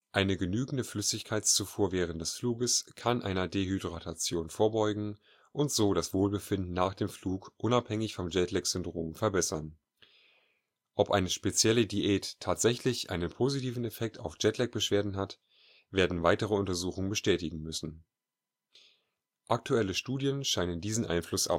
Eine genügende Flüssigkeitszufuhr während des Fluges kann einer Dehydratation vorbeugen und so das Wohlbefinden nach dem Flug unabhängig vom Jetlag-Syndrom verbessern. Ob eine spezielle Diät tatsächlich einen positiven Effekt auf Jetlag-Beschwerden hat, werden weitere Untersuchungen bestätigen müssen; aktuelle Studien scheinen diesen Einfluss